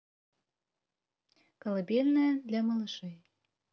колыбельная для малышей